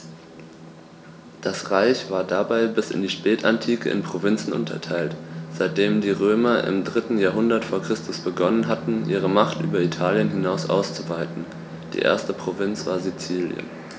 Das Reich war dabei bis in die Spätantike in Provinzen unterteilt, seitdem die Römer im 3. Jahrhundert vor Christus begonnen hatten, ihre Macht über Italien hinaus auszuweiten (die erste Provinz war Sizilien).